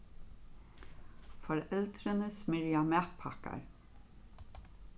foreldrini smyrja matpakkar